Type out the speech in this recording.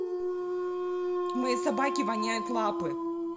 у моей собаки воняют лапы